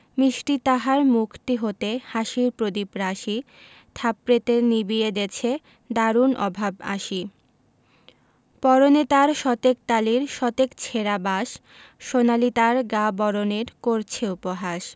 মিষ্টি তাহার মুখ টি হতে হাসির প্রদিপ রাশি থাপড়েতে নিবিয়ে দেছে দারুণ অভাব আসি পরনে তার শতেক তালির শতেক ছেঁড়া বাস সোনালি তার গা বরণের করছে উপহাস